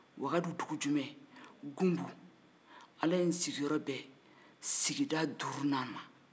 wagadu dugu jumɛn kundu ala ye n sigiyɔrɔ bɛn sigida duurunan ma